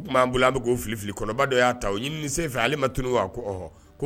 O k'an bolo an bɛ k' filili kɔlɔba dɔ y'a ta u ɲiniini senfɛ ale matunu wa ko